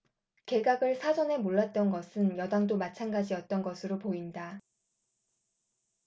개각을 사전에 몰랐던 것은 여당도 마찬가지 였던 것으로 보인다